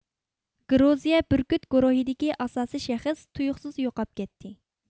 گرۇزىيە بۈركۈت گۇرۇھىدىكى ئاساسىي شەخس تۇيۇقسىز يوقاپ كەتتى